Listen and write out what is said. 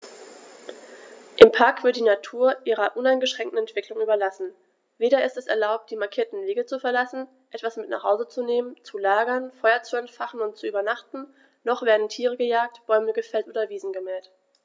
Im Park wird die Natur ihrer uneingeschränkten Entwicklung überlassen; weder ist es erlaubt, die markierten Wege zu verlassen, etwas mit nach Hause zu nehmen, zu lagern, Feuer zu entfachen und zu übernachten, noch werden Tiere gejagt, Bäume gefällt oder Wiesen gemäht.